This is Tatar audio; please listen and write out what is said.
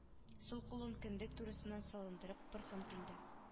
Сул кулын кендек турысыннан салындырып борһан килде